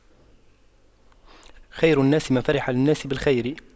خير الناس من فرح للناس بالخير